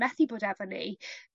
...methu bod efo ni